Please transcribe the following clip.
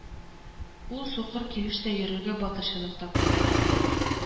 Ул сукыр килештә йөрергә батырчылык тапты